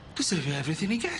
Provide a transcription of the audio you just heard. Deserfio everything he gets.